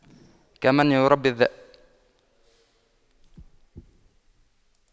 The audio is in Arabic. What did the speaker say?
كمن يربي الذئب